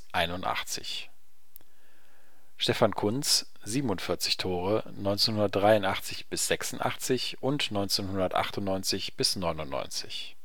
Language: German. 81) Stefan Kuntz, 47 (1983 – 86 und 1998 – 99